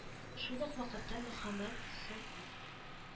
Шул ук вакытта Мөхәммәд сэ